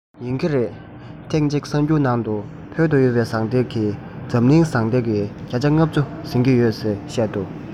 ཡིན གྱི རེད ཐེངས གཅིག གསར འགྱུར ནང དུ བོད དུ ཡོད པའི ཟངས གཏེར གྱིས འཛམ གླིང ཟངས གཏེར གྱི བརྒྱ ཆ ལྔ བཅུ ཟིན གྱི ཡོད ཟེར བཤད འདུག